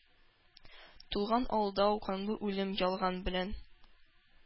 Тулган алдау, канлы үлем, ялган белән!